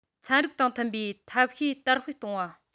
ཚན རིག དང མཐུན པའི ཐབས ཤེས དར སྤེལ གཏོང བ